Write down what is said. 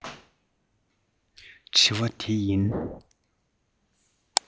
དྲི བ དེ ཡིན